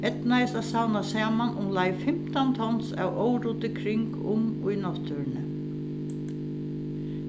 eydnaðist at savna saman umleið fimtan tons av óruddi kring um í náttúruni